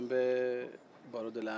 an bɛ baro de la